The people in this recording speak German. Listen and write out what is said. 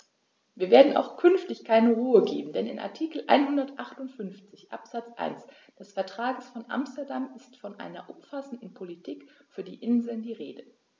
Wir werden auch künftig keine Ruhe geben, denn in Artikel 158 Absatz 1 des Vertrages von Amsterdam ist von einer umfassenden Politik für die Inseln die Rede.